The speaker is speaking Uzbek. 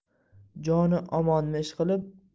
joni omonmi ishqilib